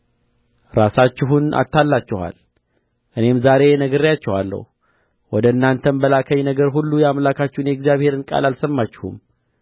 ራሳችሁን አታልላችኋል እኔም ዛሬ ነግሬአችኋለሁ ወደ እናንተም በላከኝ ነገር ሁሉ የአምላካችሁን የእግዚአብሔርን ቃል አልሰማችሁም